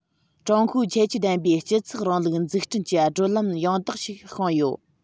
ཀྲུང གོའི ཁྱད ཆོས ལྡན པའི སྤྱི ཚོགས རིང ལུགས འཛུགས སྐྲུན གྱི བགྲོད ལམ ཡང དག ཞིག བཤངས ཡོད